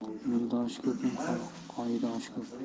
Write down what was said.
yo'ldoshi ko'pning qoidoshi ko'p